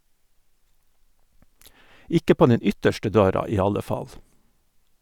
Ikke på den ytterste døra i alle fall.